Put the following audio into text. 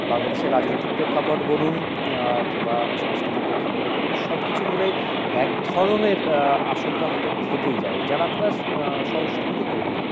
বাংলাদেশের রাজনীতির প্রেক্ষাপট বলুন কিংবা সাংস্কৃতিক প্রেক্ষাপট ই বলুন সবকিছু মিলেই এক ধরনের আশঙ্কা হয়তো থেকেই যায় যারা আপনারা সংস্কৃতিকর্মী